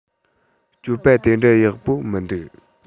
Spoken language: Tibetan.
སྤྱོད པ དེ འདྲའི ཡག པོ མི འདུག